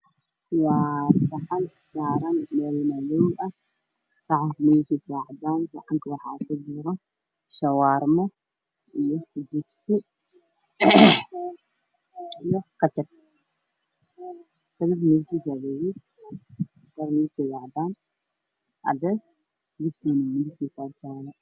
Waa saxan cadaan oo saaran meel madow. Saxanka waxaa kujiro shawaarmo, jibsi iyo kajab. Shawaarmo waa gaduud, saxanku waa cadaan, jibsigu waa jaale.